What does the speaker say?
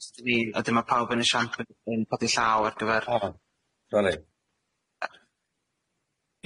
sdi a 'dyn ma' pawb yn y siâp yn bod yn llaw ar gyfer .